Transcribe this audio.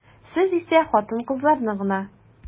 Сез исә хатын-кызларны гына.